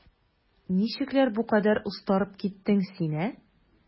Ничекләр бу кадәр остарып киттең син, ә?